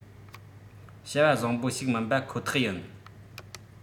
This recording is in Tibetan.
བྱ བ བཟང པོ ཞིག མིན པ ཁོ ཐག ཡིན